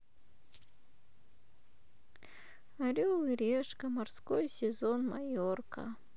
орел и решка морской сезон майорка